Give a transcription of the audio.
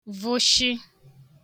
vụshị